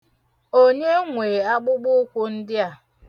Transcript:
Onye nwe akpụkpụụkwụ ndị a?